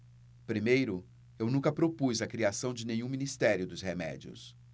primeiro eu nunca propus a criação de nenhum ministério dos remédios